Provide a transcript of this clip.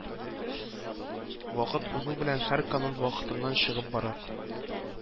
Вакыт узу белән һәр канун вакытыннан чыгып бара